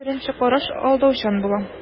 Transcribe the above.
Беренче караш алдаучан була.